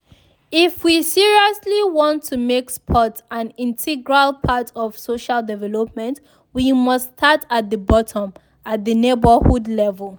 If we seriously want to make sports an integral part of social development, we must start at the bottom, at the neighborhood level.